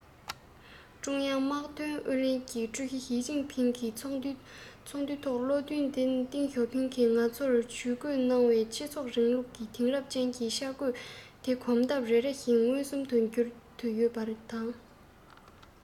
ཀྲུང དབྱང དམག དོན ཨུ ལྷན གྱི ཀྲུའུ ཞི ཞིས ཅིན ཕིང གིས ཚོགས འདུའི ཐོག བློ མཐུན ཏེང ཞའོ ཕིང གིས ང ཚོར ཇུས འགོད གནང བའི སྤྱི ཚོགས རིང ལུགས དེང རབས ཅན གྱི འཆར འགོད དེ གོམ སྟབས རེ རེ བཞིན མངོན སུམ དུ འགྱུར དུ ཡོད པ དང